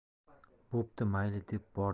bo'pti mayli deb bordim